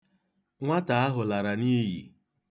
Nwata ahụ lara n'iyi.